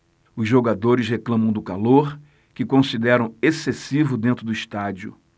os jogadores reclamam do calor que consideram excessivo dentro do estádio